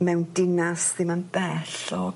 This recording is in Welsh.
Mewn dinas ddim yn bell o...